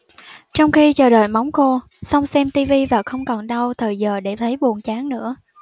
trong khi chờ đợi móng khô song xem ti vi và không còn đâu thời giờ để thấy buồn chán nữa